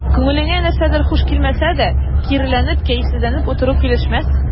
Күңелеңә нәрсәдер хуш килмәсә дә, киреләнеп, кәефсезләнеп утыру килешмәс.